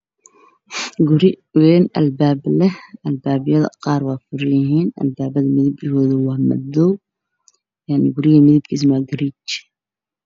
Waa guri reer ka daaran yahay darbiyada cadaan albaabada way furan yihiin waana madow